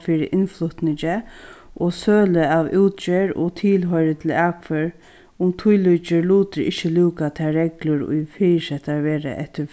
fyri innflutningi og sølu av útgerð og tilhoyri til akfør um tílíkir lutir ikki lúka tær reglur ið fyrisettar verða eftir